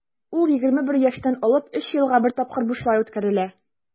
Ул 21 яшьтән алып 3 елга бер тапкыр бушлай үткәрелә.